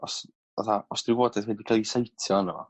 os atha os di wybodaeth wedi ca'k i seitio ana fo